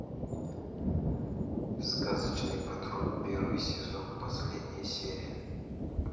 сказочный патруль первый сезон последняя серия